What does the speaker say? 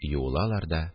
Юылалар да